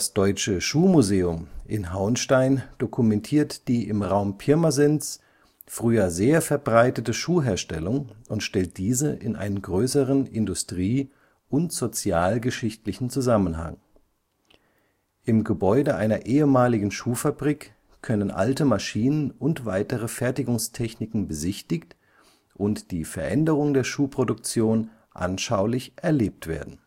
Deutsche Schuhmuseum in Hauenstein dokumentiert die im Raum Pirmasens früher sehr verbreitete Schuhherstellung und stellt diese in einen größeren industrie - und sozialgeschichtlichen Zusammenhang. Im Gebäude einer ehemaligen Schuhfabrik können alte Maschinen und weitere Fertigungstechniken besichtigt und die Veränderung der Schuhproduktion anschaulich erlebt werden